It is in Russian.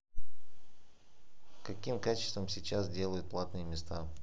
каким качеством сейчас делают платные места